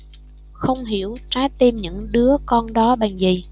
không hiểu trái tim những đứa con đó bằng gì